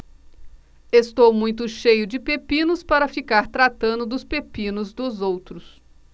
estou muito cheio de pepinos para ficar tratando dos pepinos dos outros